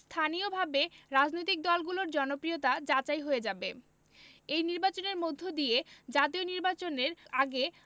স্থানীয়ভাবে রাজনৈতিক দলগুলোর জনপ্রিয়তা যাচাই হয়ে যাবে এই নির্বাচনের মধ্য দিয়ে জাতীয় নির্বাচনের আগে